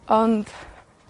Ond,